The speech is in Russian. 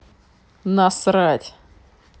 насрать